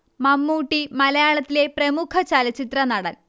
മമ്മൂട്ടി മലയാളത്തിലെ പ്രമുഖ ചലച്ചിത്രനടൻ